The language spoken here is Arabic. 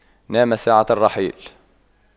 نام ساعة الرحيل